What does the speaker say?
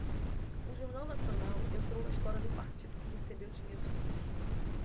o jornal nacional entrou na história do partido que recebeu dinheiro sujo